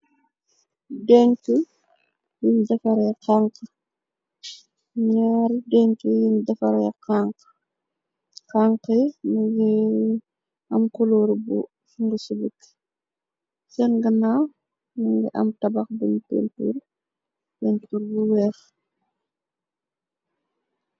Denk yun defare xanx, ñaari denk yun defare xanx, xanx yi ngi am kuluur bu sungu ci bikk, seen ganaaw mi ngi am tabax bunj pintur, pentur bu weex